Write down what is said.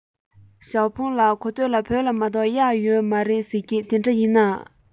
ཞའོ ཧྥུང ལགས གོ ཐོས ལ བོད ལྗོངས མ གཏོགས གཡག ཡོད མ རེད ཟེར གྱིས དེ འདྲ ཡིན ན